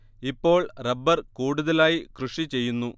ഇപ്പോൾ റബ്ബർ കൂടുതലായി കൃഷി ചെയ്യുന്നു